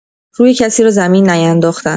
روی کسی را زمین نینداختن